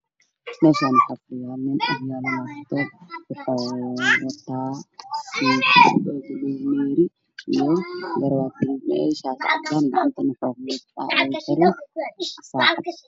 Meeshaan waxaa fadhiyo nin waxaa horyaala laabtoob waxuu wataa garabaati meesha waa cadaan.